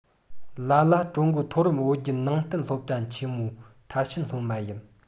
ལ ལ ཀྲུང གོའི མཐོ རིམ བོད བརྒྱུད ནང བསྟན སློབ གྲྭ ཆེན མོའི མཐར ཕྱིན སློབ མ ཡིན